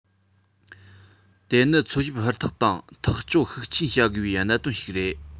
དེ ནི འཚོལ ཞིབ ཧུར ཐག དང ཐག གཅོད ཤུགས ཆེན བྱ དགོས པའི གནད དོན ཞིག རེད